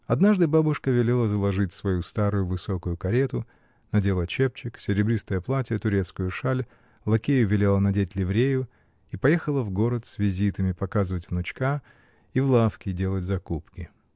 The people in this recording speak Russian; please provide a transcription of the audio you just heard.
Однажды бабушка велела заложить свою старую, высокую карету, надела чепчик, серебристое платье, турецкую шаль, лакею велела надеть ливрею и поехала в город с визитами, показывать внучка, и в лавки, делать закупки.